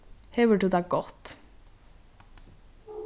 hevur tú tað gott